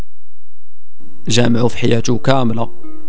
جامعه حجه كامله